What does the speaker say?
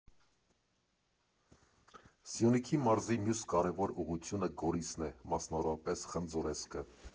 Սյունիքի մարզի մյուս կարևոր ուղղությունը Գորիսն է, մասնավորապես՝ Խնձորեսկը։